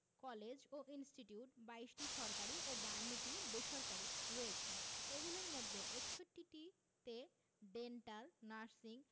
college ও institute ২২টি সরকারি ও ৫২টি বেসরকারি রয়েছে এগুলোর মধ্যে ৬১ টি টিতে ডেন্টাল নার্সিং